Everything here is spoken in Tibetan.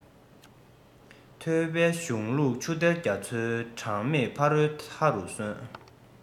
ཐོས པའི གཞུང ལུགས ཆུ གཏེར རྒྱ མཚོའི གྲངས མེད ཕ རོལ མཐའ རུ སོན